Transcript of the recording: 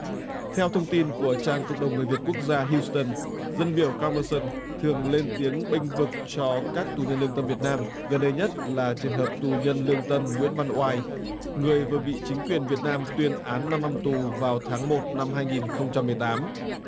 theo thông tin của trang cộng đồng người việt quốc gia hiu tơn dân biểu cam bơ sờn thường lên tiếng bênh vực cho các tù nhân lương tâm việt nam gần đây nhất là trường hợp tù nhân lương tâm nguyễn văn oai người vừa bị chính quyền việt nam tuyên án năm năm tù vào tháng một năm hai nghìn không trăm mười tám